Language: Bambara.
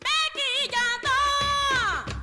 Den k'i' tɛ